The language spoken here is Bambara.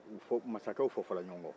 o tuma masakɛw fɔfɔra ɲɔgɔn kɔ